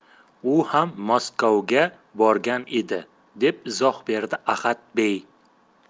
u ham moskovga borgan edi deb izoh berdi ahadbey